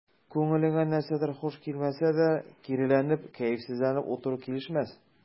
Күңелеңә нәрсәдер хуш килмәсә дә, киреләнеп, кәефсезләнеп утыру килешмәс.